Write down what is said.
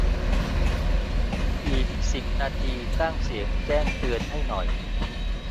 อีกสิบนาทีตั้งเสียงแจ้งเตือนให้หน่อย